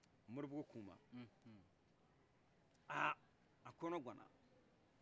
mribugu kuma aa akɔnɔganna